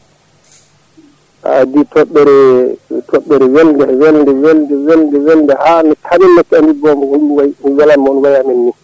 a addi toɓɓere toɓɓere welde welde welde welde welde welde ha hamin natti andu boom no ɗum waayi ko belamma o waye amen ni